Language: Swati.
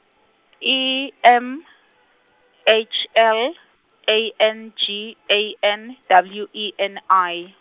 E M , H L, A N G A N, W E N I.